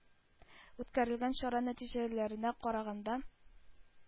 Үткәрелгән чара нәтиҗәләренә караганда,